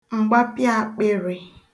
m̀gbapịaàkpịrị̄